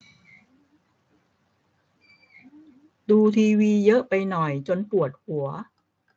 ดูทีวีเยอะไปหน่อยจนปวดหัว